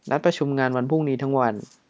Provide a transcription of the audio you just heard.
นัดประชุมงานวันพรุ่งนี้ทั้งวัน